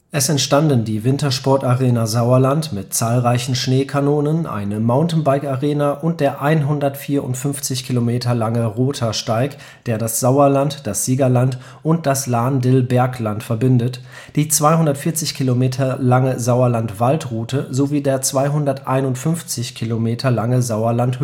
Es entstanden die Wintersport-Arena Sauerland mit zahlreichen Schneekanonen, eine Mountainbikearena und der 154 km lange Rothaarsteig, der das Sauerland, das Siegerland und das Lahn-Dill-Bergland verbindet, die 240 km lange Sauerland-Waldroute sowie der 251 km lange Sauerland-Höhenflug